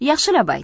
yaxshilab ayt